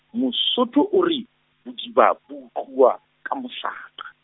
Mosotho o re, bodiba bo utluwa, ka mosaqa.